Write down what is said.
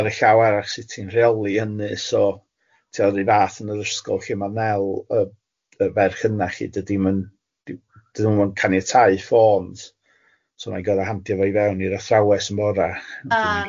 ...ar y llaw arall sut ti'n rheoli hynny, so ti'n gwbo ru fath yn yr ysgol lle ma' Nel yy y ferch yna lly dydi'm dy- dydyn nhw'm yn caniatáu ffôns so mai'n goro handio fo i fewn i'r athrawes yn bora'ch... A na chdi.